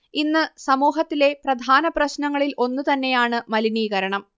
ഇന്ന് സമൂഹത്തിലെ പ്രധാന പ്രശ്നങ്ങളിൽ ഒന്നു തന്നെയാണ് മലിനീകരണം